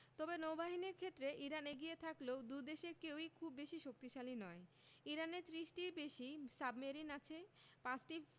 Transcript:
তবে নৌবাহিনীর ক্ষেত্রে ইরান এগিয়ে থাকলেও দুই দেশের কেউই খুব বেশি শক্তিশালী নয় ইরানের ৩০টির বেশি সাবমেরিন আছে ৫টি